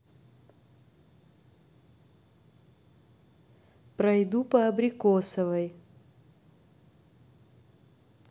пройду по абрикосовой